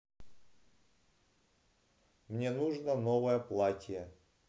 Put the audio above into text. мне нужно новое платье